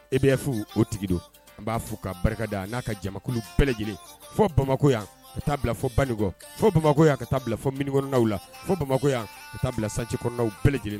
E bɛ f o tigi don an b'a fo ka barika da n'a ka jamanakulu bɛɛlɛ lajɛlen fɔ bamakɔ yan ka taaa bila fɔ baninkɔ fo bamakɔ yan ka taa bila fo minikɔrɔnnaw la fo bamakɔ yan ka taa bila santikw bɛɛlɛ lajɛlen